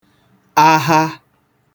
aha